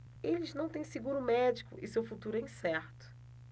eles não têm seguro médico e seu futuro é incerto